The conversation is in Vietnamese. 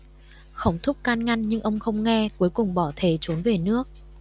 khổng thúc can ngăn nhưng ông không nghe cuối cùng bỏ thề trốn về nước